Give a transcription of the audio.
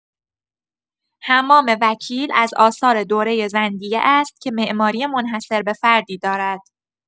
حمام وکیل از آثار دوره زندیه است که معماری منحصر به فردی دارد.